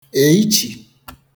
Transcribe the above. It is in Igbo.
èichi